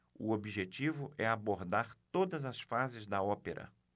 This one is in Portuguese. o objetivo é abordar todas as fases da ópera